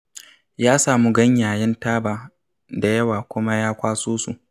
Ya sami ganyayen taba da yawa kuma ya kwaso su.